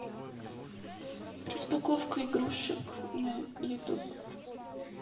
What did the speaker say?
распаковка игрушек на ютуб